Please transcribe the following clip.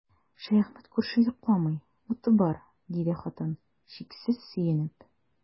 Шәяхмәт күрше йокламый, уты бар, диде хатын, чиксез сөенеп.